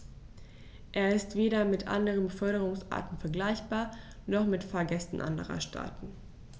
Er ist weder mit anderen Beförderungsarten vergleichbar, noch mit Fahrgästen anderer Staaten.